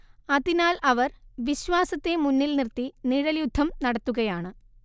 അതിനാൽ അവർ വിശ്വാസത്തെ മുന്നിൽ നിർത്തി നിഴൽയുദ്ധം നടത്തുകയാണ്